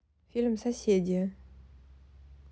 фильм соседи